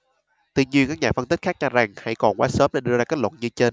tuy nhiên các nhà phân tích khác cho rằng hãy còn quá sớm để đưa ra kết luận như trên